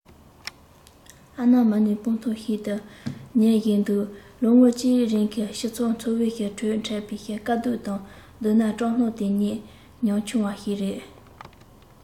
ཨ ན མ ནའི སྤང ཐང ཞིག ཏུ ཉུལ བཞིན འདུག ལོ ངོ གཅིག རིང གི སྤྱི ཚོགས འཚོ བའི ཁྲོད འཕྲད པའི དཀའ སྡུག དང བསྡུར ན སྐྲག སྣང དེ ནི ཉམ ཆུང བ ཞིག རེད